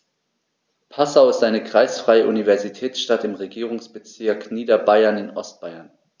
Passau ist eine kreisfreie Universitätsstadt im Regierungsbezirk Niederbayern in Ostbayern.